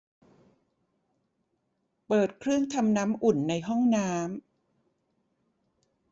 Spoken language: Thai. เปิดเครื่องทำน้ำอุ่นในห้องน้ำ